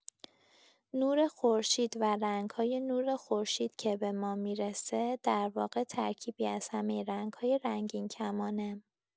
نور خورشید و رنگ‌ها نور خورشید که به ما می‌رسه، در واقع ترکیبی از همه رنگ‌های رنگین‌کمانه.